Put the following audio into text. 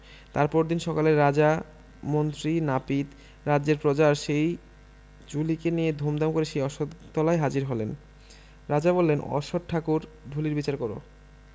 তার পরদিন সকালে রাজা মন্ত্রী নাপিত রাজ্যের প্রজা আর সেই চুলিকে নিয়ে ধুমধাম করে সেই অশ্বত্থতলায় হাজির হলেন রাজা বললেন অশ্বত্থ ঠাকুর ঢুলির বিচার কর